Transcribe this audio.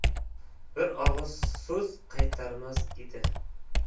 bir og'iz so'z qaytarmas edi